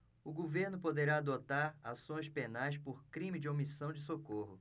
o governo poderá adotar ações penais por crime de omissão de socorro